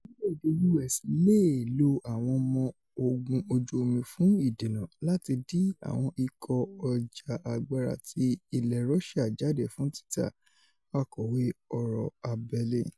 orílẹ̀-èdè US leè lo Àwọn Ọmọ Ogun Ojú-omi fún ''ìdèná'' lati di àwọn ìkó-ọjà agbára ti ilẹ̀ Rọ́síà jadé fún títà - Akọ̀wé Ọ̀rọ̀ Abẹ́lé